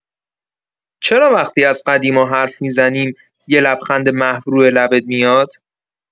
چرا وقتی از قدیما حرف می‌زنیم، یه لبخند محو روی لبت میاد؟